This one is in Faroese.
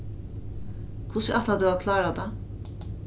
hvussu ætlar tú at klára tað